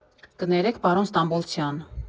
Կներեք, պարոն Ստամբոլցյան։